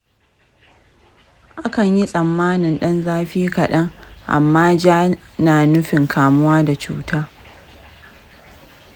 akan yi tsammanin ɗan zafi kaɗan, amma ja na nufin kamuwa da cuta.